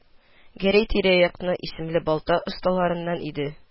Гәрәй тирә-якның исемле балта осталарыннан иде